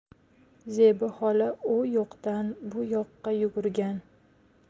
zebi xola u yoqdan bu yoqqa yugurgan